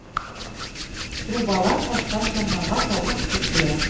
Трубалар аша чаннарга салкын су килә